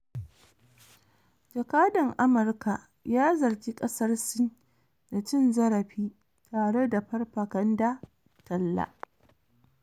Jakadan Amurka ya zargi kasar Sin da 'cin zarafi' tare da 'farfaganda talla'